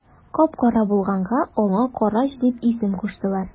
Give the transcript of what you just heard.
Кап-кара булганга аңа карач дип исем куштылар.